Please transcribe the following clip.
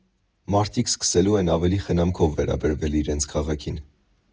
Մարդիկ սկսելու են ավելի խնամքով վերաբերվել իրենց քաղաքին։